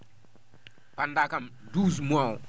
annda kam 12 mois o